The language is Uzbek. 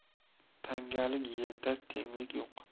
tangalik yerda tenglik yo'q